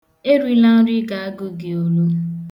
Erila nri ga-agụ gị olu.